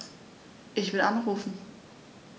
Ich will anrufen.